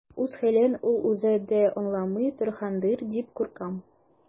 Үз хәлен ул үзе дә аңламый торгандыр дип куркам.